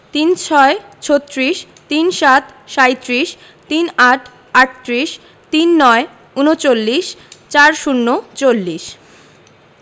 ৩৬ - ছত্রিশ ৩৭ - সাঁইত্রিশ ৩৮ - আটত্রিশ ৩৯ - ঊনচল্লিশ ৪০ - চল্লিশ